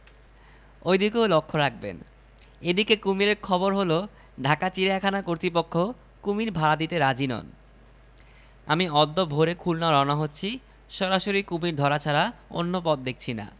দূর থেকে চোখে পড়বে রাগী কুমীর রাগী কুমীর শানে আমি কি রাগী আর্টিস্ট থমথমে গলায় বললেন কি যন্ত্রণা আপনি কি কুমীর না কি আপনার মারকা কুমীর